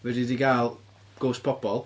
Fedri di gael ghost pobol.